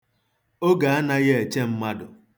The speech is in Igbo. Oge anaghị eche mmadụ.